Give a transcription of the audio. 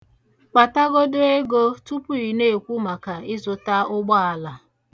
Kpata godu ego tupu ị na-ekwu maka ịzụta ụgbaala.